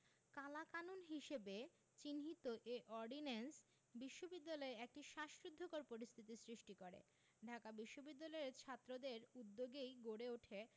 কালাকানুন হিসেবে চিহ্নিত এ অর্ডিন্যান্স বিশ্ববিদ্যালয়ে একটি শ্বাসরুদ্ধকর পরিস্থিতির সৃষ্টি করে ঢাকা বিশ্ববিদ্যালয়ের ছাত্রদের উদ্যোগেই গড়ে উঠে